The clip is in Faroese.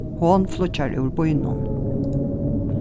hon flýggjar úr býnum